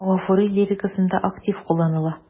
Гафури лирикасында актив кулланыла.